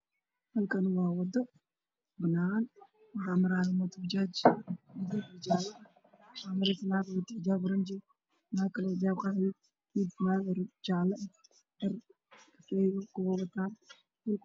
Meeshaan waa lamid ah waxaan maraa bajaaj midabkoodii ay gudiyadu marayo dad kale oo farabadan